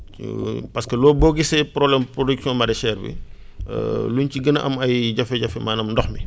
parce que boo gisee poblème production maraichère bi lu ñu ci gën a am ay jafe-jafe maanaam ndox mi